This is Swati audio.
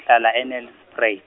ngihlala e- Nelsprui-.